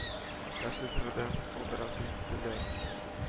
Кафедрада калдырасы иттеләр